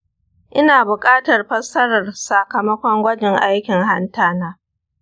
ina buƙatar fassarar sakamakon gwajin aikin hanta na.